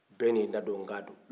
bɛɛ ni dadonkan don